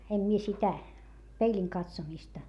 en minä sitä peilin katsomista